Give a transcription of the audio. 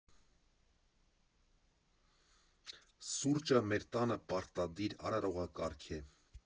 Սուրճը մեր տանը պարտադիր արարողակարգ է։